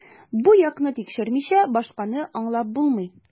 Бу якны тикшермичә, башканы аңлап булмый.